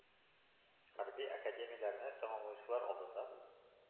Хәрби академияләрне тәмамлаучылар алдында,